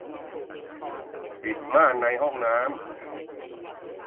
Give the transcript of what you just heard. ปิดม่านในห้องน้ำ